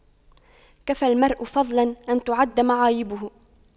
كفى المرء فضلا أن تُعَدَّ معايبه